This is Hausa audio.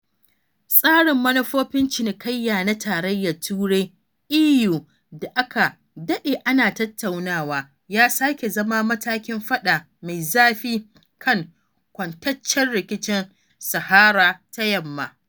Tsarin manufofin cinikayya na Tarayyar Turai (EU) da aka daɗe ana tattaunawa ya sake zama matakin faɗa mai zafi kan kwantaccen rikicin Sahara ta Yamma.